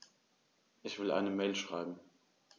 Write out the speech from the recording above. Ich will eine Mail schreiben.